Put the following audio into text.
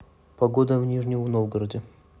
погода в нижнем новгороде